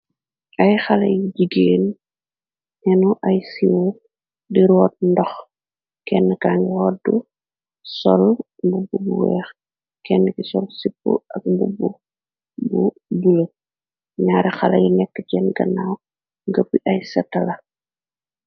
ay xale yi jigéen nenu ay siwo di root ndox kenn ki angi roddu sol bubbu bu weex kenn ki sol sip ak bubbu bu dule ñaare xale yi nekk cenn gannaaw gëppi ay sëtala